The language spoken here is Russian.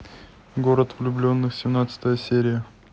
город влюбленных семнадцатая серия